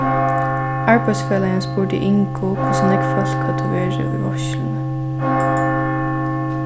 arbeiðsfelagin spurdi ingu hvussu nógv fólk høvdu verið í veitsluni